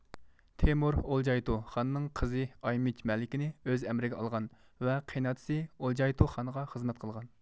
تېمۇر ئولجايتۇ خاننىڭ قىزى ئايمىچ مەلىكىنى ئۆز ئەمرىگە ئالغان ۋە قېينىئاتىسى ئولجايتۇ خانغا خىزمەت قىلغان